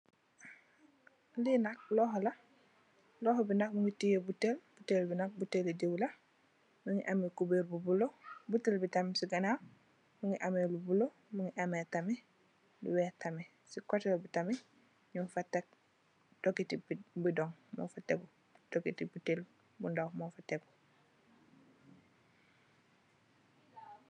Lee nak lohou la lohou be nak munge teye botel botel be nak botele deew la munge ameh kuberr bu bulo botel tam se ganaw munge ameh lu bulo munge ameh tamin lu weex tamin se koteh be tamin nugfa tek dogete bedung nugfe tegu dogete botel bu ndaw mufe tegu.